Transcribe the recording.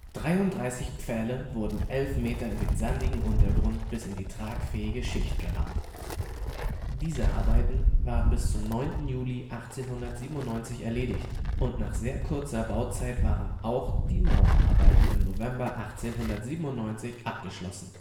33 Pfähle wurden elf Meter in den sandigen Untergrund bis in die tragfähige Schicht gerammt. Diese Arbeiten waren bis zum 9. Juli 1897 erledigt und nach sehr kurzer Bauzeit waren auch die Maurerarbeiten im November 1897 abgeschlossen